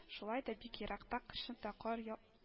Шулай да бик еракта кышын да кар яу